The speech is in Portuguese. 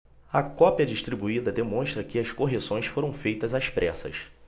a cópia distribuída demonstra que as correções foram feitas às pressas